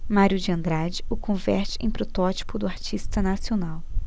mário de andrade o converte em protótipo do artista nacional